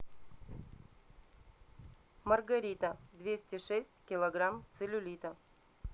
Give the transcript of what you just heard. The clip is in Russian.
маргарита двести шесть килограмм целлюлита